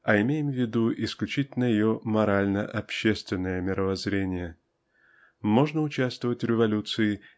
а имеем в виду исключительно ее морально-общественное мировоззрение. Можно участвовать в революции.